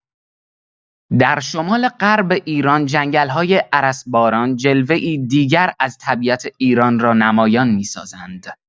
در شمال‌غرب ایران، جنگل‌های ارسباران جلوه‌ای دیگر از طبیعت ایران را نمایان می‌سازند.